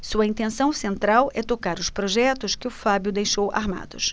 sua intenção central é tocar os projetos que o fábio deixou armados